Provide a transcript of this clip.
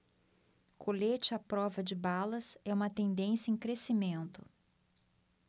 colete à prova de balas é uma tendência em crescimento